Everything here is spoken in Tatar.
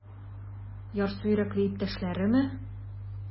Ярсу йөрәкле иптәшләреме?